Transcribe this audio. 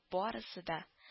Барысы да